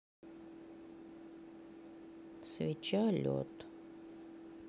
свеча лед